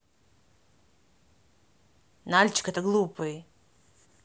нальчик это глупый